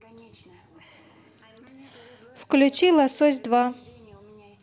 включи лосось два